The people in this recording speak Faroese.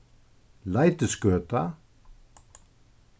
leitisgøta